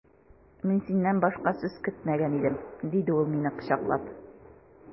Мин синнән башка сүз көтмәгән идем, диде ул мине кочаклап.